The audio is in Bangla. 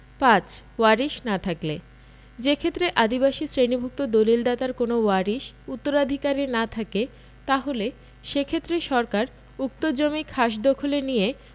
৫ ওয়ারিশ না থাকলে যেক্ষেত্রে আদিবাসী শ্রেণীভুক্ত দলিলদাতার কোনও ওয়ারিশ উত্তরাধিকারী না থাকে তাহলে সেক্ষেত্রে সরকার উক্ত জমি খাসদখলে নিয়ে